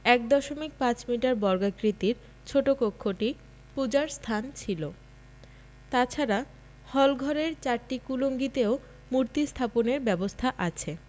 ১ দশমিক ৫ মিটার বর্গাকৃতির ছোট কক্ষটি পূজার স্থান ছিল তাছাড়া হলঘরের চারটি কুলুঙ্গিতেও মূর্তি স্থাপনের ব্যবস্থা আছে